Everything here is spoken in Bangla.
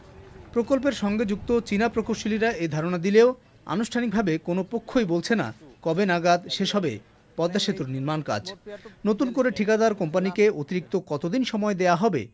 প্রকল্পের সঙ্গে যুক্ত চিনা প্রকৌশলীরা এ ধারণা দিলেও আনুষ্ঠানিকভাবে কোনো পক্ষই বলছে না কবে নাগাদ শেষ হবে পদ্মা সেতু নির্মাণ কাজ নতুন করে ঠিকাদার কোম্পানি কে অতিরিক্ত কত দিন সময় দেয়া হবে